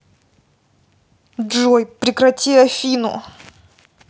джой прекрати афину